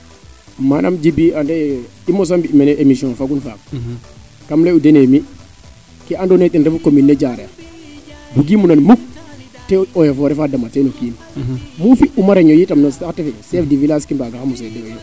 manaam Djiby i mosa mbi mene emission fagun faak kam ley u denee mi kee ando naye ten commune ne Diarekh bugumo nan mukk te eaux et foret dama teno kiin mu fi tuna reunion itam no sate fee chef du village ke mbagaxamo seede